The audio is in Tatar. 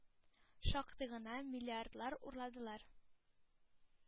Шактый гына миллиардлар урладылар